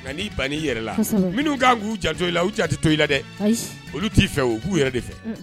Nka' ban n' yɛrɛ la minnu k kan k'u ca to i la u ja tɛ to i la dɛ olu t'i fɛ u k'u yɛrɛ de fɛ